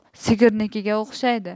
sigirnikiga o'xshaydi